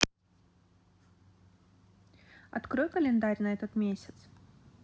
открой календарь за этот месяц